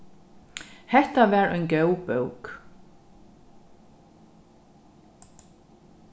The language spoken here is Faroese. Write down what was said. hetta var ein góð bók